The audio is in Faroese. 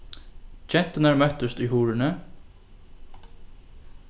genturnar møttust í hurðini